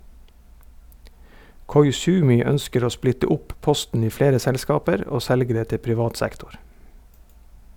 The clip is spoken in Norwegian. Koizumi ønsker å splitte opp posten i flere selskaper og selge det til privat sektor.